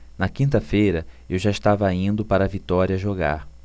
na quinta-feira eu já estava indo para vitória jogar